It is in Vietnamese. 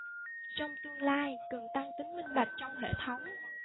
trong tương lai cần tăng tính minh bạch trong hệ thống